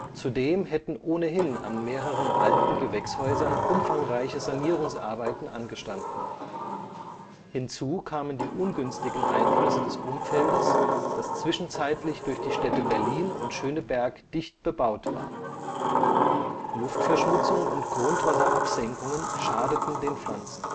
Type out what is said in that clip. Zudem hätten ohnehin an mehreren alten Gewächshäusern umfangreiche Sanierungsarbeiten angestanden. Hinzu kamen die ungünstigen Einflüsse des Umfeldes, das zwischenzeitlich durch die Städte Berlin und Schöneberg dicht bebaut war; Luftverschmutzung und Grundwasserabsenkungen schadeten den Pflanzen